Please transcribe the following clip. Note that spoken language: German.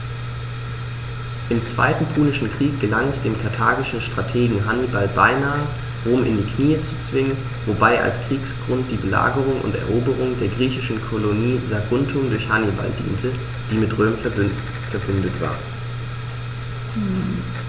Im Zweiten Punischen Krieg gelang es dem karthagischen Strategen Hannibal beinahe, Rom in die Knie zu zwingen, wobei als Kriegsgrund die Belagerung und Eroberung der griechischen Kolonie Saguntum durch Hannibal diente, die mit Rom „verbündet“ war.